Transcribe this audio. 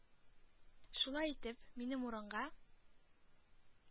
Шулай итеп, минем урынга